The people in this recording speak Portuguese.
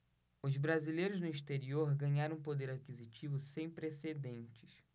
os brasileiros no exterior ganharam um poder aquisitivo sem precedentes